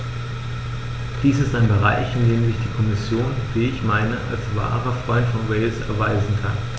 Dies ist ein Bereich, in dem sich die Kommission, wie ich meine, als wahrer Freund von Wales erweisen kann.